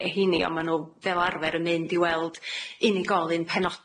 heini, on' ma' n'w, fel arfer, yn mynd i weld unigolyn penodol.